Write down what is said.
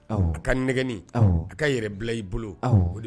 Ka ka yɛrɛ bila i bolo